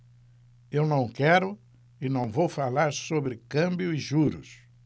eu não quero e não vou falar sobre câmbio e juros